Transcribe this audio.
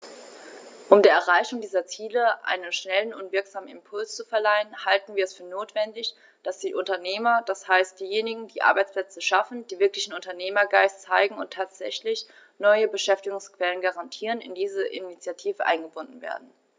Um der Erreichung dieser Ziele einen schnellen und wirksamen Impuls zu verleihen, halten wir es für notwendig, dass die Unternehmer, das heißt diejenigen, die Arbeitsplätze schaffen, die wirklichen Unternehmergeist zeigen und tatsächlich neue Beschäftigungsquellen garantieren, in diese Initiative eingebunden werden.